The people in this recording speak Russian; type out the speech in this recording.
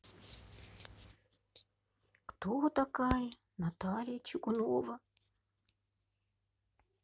кто такая наталья чугунова